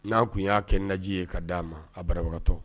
N'a tun y'a kɛ naji ye ka d'a ma a banabagatɔ